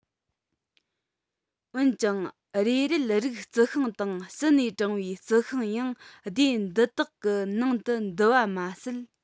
འོན ཀྱང རེ རལ རིགས རྩི ཤིང དང ཕྱི ནས དྲངས པའི རྩི ཤིང ཡང སྡེ འདི དག གི ནང དུ འདུ བ མ ཟད